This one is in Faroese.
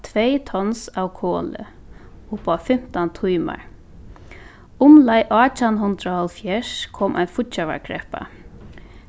tvey tons av koli uppá fimtan tímar umleið átjan hundrað og hálvfjerðs kom ein